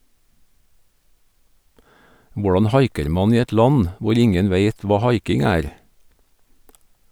Hvordan haiker man i et land hvor ingen veit hva haiking er?